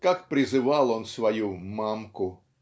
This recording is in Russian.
как призывал он свою "мамку"!